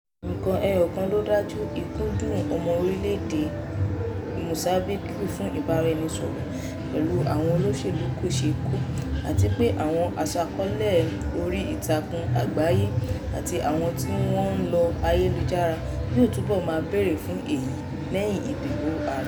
Nǹkan eyọ̀kan ló dájú, ìkúdùn ọmọ orílẹ̀ èdè Mozambique fún ìbáraẹnisọ̀rọ̀ pẹ̀lú àwọn olóṣèlú kò ṣeé kọ̀, àti pé àwọn aṣàkọ́ọ́lẹ̀ orí ìtàkùn àgbáyé àti àwọn tí wọ́n ń lo ayélujára yóò túbọ̀ maa bèèrè fún èyí lẹ́yìn ìdìbò ààrẹ.